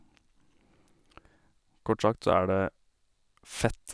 Kort sagt så er det fett.